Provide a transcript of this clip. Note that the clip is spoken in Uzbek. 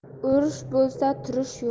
urush bo'lsa turish yo'q